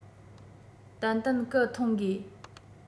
ཏན ཏན སྐད ཐོན དགོས